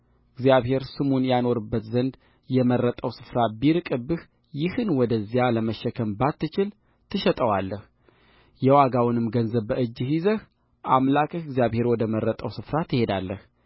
እግዚአብሔር ስሙን ያኖርበት ዘንድ የመረጠው ስፍራ ቢርቅብህ ይህን ወደዚያ ለመሸከም ባትችል ትሸጠዋለህ የዋጋውንም ገንዘብ በእጅህ ይዘህ አምላክህ እግዚአብሔር ወደ መረጠው ስፍራ ትሄዳለህ